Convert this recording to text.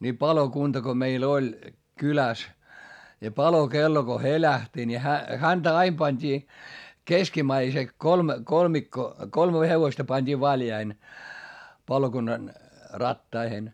niin palokunta kun meillä oli kylässä ja palokello kun helähti niin hän häntä aina pantiin keskimmäisen kolme kolmikko kolme hevosta pantiin valjaisiin palokunnan rattaisiin